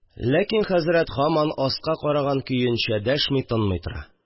Ләкин хәзрәт һаман астка караган көенчә дәшми-тынмый тора.